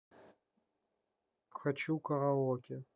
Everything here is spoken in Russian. хочу караоке